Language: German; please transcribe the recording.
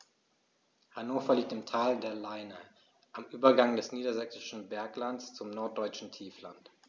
Hannover liegt im Tal der Leine am Übergang des Niedersächsischen Berglands zum Norddeutschen Tiefland.